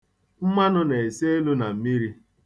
Mmanụ na-ese elu mmiri.